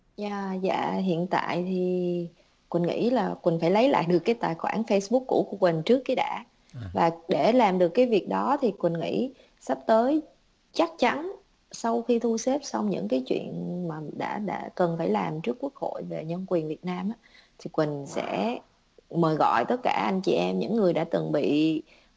dạ dạ hiện tại thì quỳnh nghĩ là quỳnh phải lấy lại được cái tài khoản phây búc cũ của quỳnh trước cái đã và để làm được cái việc đó thì quỳnh nghĩ sắp tới chắc chắn sau khi thu xếp xong những cái chuyện mình đã đã cần phải làm trước quốc hội về nhân quyền việt nam thì quỳnh sẽ mời gọi tất cả anh chị em những người đã từng bị